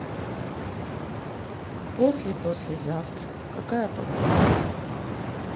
после послезавтра какая погода